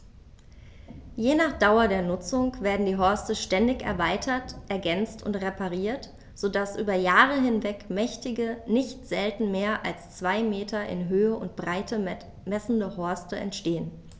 Je nach Dauer der Nutzung werden die Horste ständig erweitert, ergänzt und repariert, so dass über Jahre hinweg mächtige, nicht selten mehr als zwei Meter in Höhe und Breite messende Horste entstehen.